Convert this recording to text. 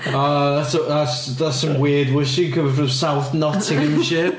Oh that's that's that's some weird whooshing coming from South Nottinghamshire.